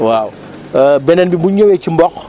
waaw beneen bi bu ñu ñëwee ci mboq